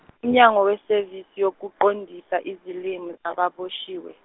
uMnyango weSevisi yokuQondisa iZilimo zabaBoshiwe.